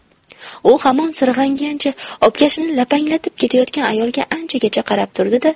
u hamon sirg'angancha obkashini lapanglatib ketayotgan ayolga anchagacha qarab turdi da